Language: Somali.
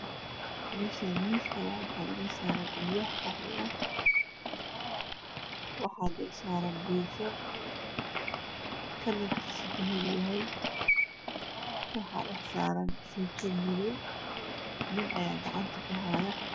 Meeshaan miis ayaa wax inoo noosarean alwaax ah waxa dulsaaran jiifo kalarkiisu balluug yahay waxa dhaxsaaran sinjil maddow nin ayaa gacanta ku haaya